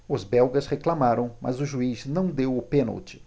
os belgas reclamaram mas o juiz não deu o pênalti